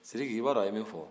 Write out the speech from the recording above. sidiki i b'a dɔn a ye min fɔ